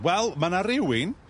Wel, ma' 'na rywun